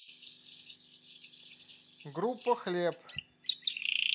группа хлеб